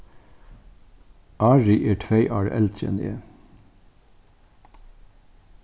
ári er tvey ár eldri enn eg